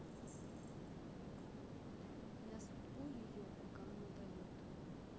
я судьбу ее пока она дает